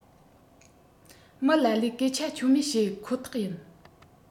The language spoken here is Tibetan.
མི ལ ལས སྐད ཆ ཆོ མེད བཤད ཁོ ཐག ཡིན